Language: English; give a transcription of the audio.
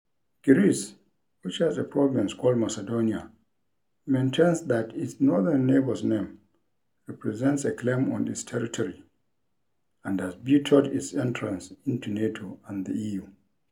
Greece, which has a province called Macedonia, maintains that its northern neighbor's name represents a claim on its territory and has vetoed its entrance into NATO and the EU.